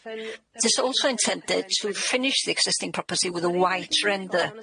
It is also intended to finish the existing property with a white render.